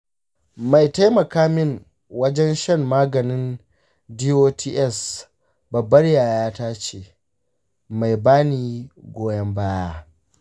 mai taimaka min wajen shan maganin dots babbar yayata ce mai ba ni goyon baya.